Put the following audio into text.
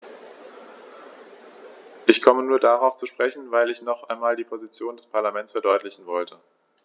Ich komme nur darauf zu sprechen, weil ich noch einmal die Position des Parlaments verdeutlichen wollte.